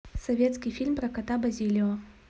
советский фильм про кота базилио